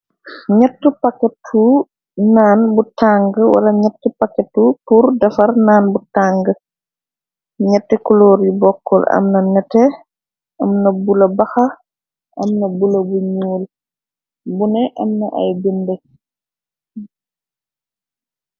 Nyetti paketu naan bu tàng wala ñyetti paketu tur dafar naan bu tàng ñette kuloor yu bokkul amna nete amna bu la baxa amna bula bu ñuul bune amna ay binde.